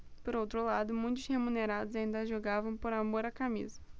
por outro lado muitos remunerados ainda jogavam por amor à camisa